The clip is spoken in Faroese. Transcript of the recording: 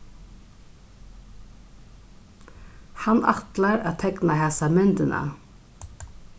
hann ætlar at tekna hasa myndina